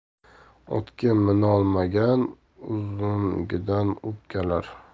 otga minolmagan uzangidan o'pkalar